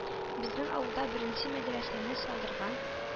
– безнең авылда беренче мәдрәсәне салдырган”,